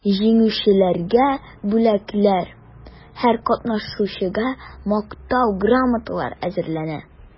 Җиңүчеләргә бүләкләр, һәр катнашучыга мактау грамоталары әзерләнә.